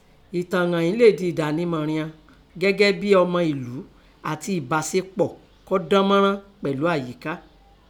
Ètàn hàn ín lè di ẹ̀dánimọ̀ọ rian gẹ́gẹ́ bín ọmọ èlú àtin ẹ̀báṣepọ̀ k'ọ́ dán mọ́nrán pẹ̀lú àyíká.